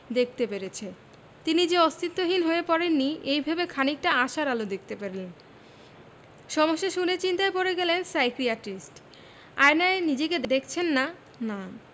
দেখতে পেরেছে তিনি যে অস্তিত্বহীন হয়ে পড়েননি এই ভেবে খানিকটা আশার আলো দেখতে পেলেন সমস্যা শুনে চিন্তায় পড়ে গেলেন সাইকিয়াট্রিস্ট আয়নায় নিজেকে দেখছেন না না